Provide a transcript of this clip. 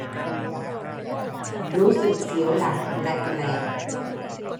รู้สึกเสียวหลังแปลบแปลบ